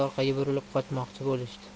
orqaga burilib qochmoqchi bo'lishdi